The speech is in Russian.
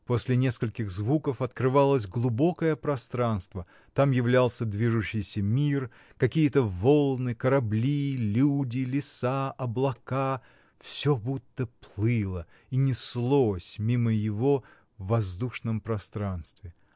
После нескольких звуков открывалось глубокое пространство, там являлся движущийся мир, какие-то волны, корабли, люди, леса, облака — всё будто плыло и неслось мимо его в воздушном пространстве.